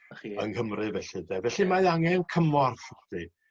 'Na chdi. ...yng Nghymru felly ynde felly mae angen cymorth wsti